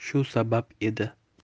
shu sabab edi